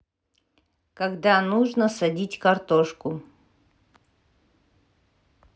когда нужно садить картошку